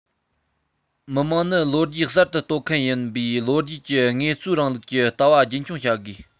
མི དམངས ནི ལོ རྒྱུས གསར དུ གཏོད མཁན ཡིན པའི ལོ རྒྱུས ཀྱི དངོས གཙོའི རིང ལུགས ཀྱི ལྟ བ རྒྱུན འཁྱོངས བྱ དགོས